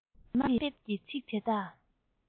གལ སྲིད དམའ འབེབས ཀྱི ཚིག དེ དག